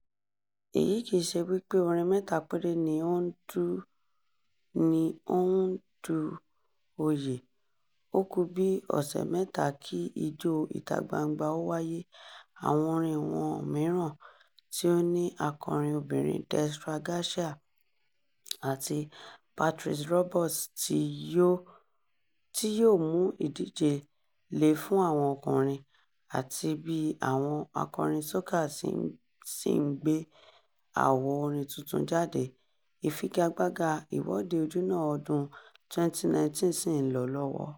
Èyí kì í ṣe wípé orin mẹ́ta péré ni ó ń du oyè. Ó ku bí ọ̀sẹ̀ mẹ́ta kí Ijó ìta-gbangba ó wáyé, àwọn orin wọn mìíràn — tí ó ní akọrin obìrin Destra Garcia àti Patrice Roberts —tí yóò mú ìdíje le fún àwọn ọkùnrin, àti bí àwọn akọrin soca ṣì ń gbé àwo orin tuntun jáde, ìfigagbága Ìwọ́de Ojúnà ọdún-un 2019 ṣì ń lọ lọ́wọ́.